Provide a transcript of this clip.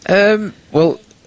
Yym, wel,